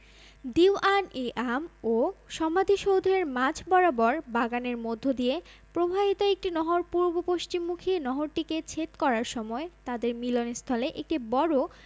দীউয়ান ই আম ও সমাধিসৌধের মাঝ বরাবর বাগানের মধ্যদিয়ে প্রবাহিত একটি নহর পূর্ব পশ্চিমমুখী নহরটিকে ছেদ করার সময় তাদের মিলনস্থলে একটি বড়